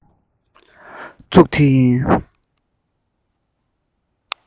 འཛུགས ས དེ ཡིན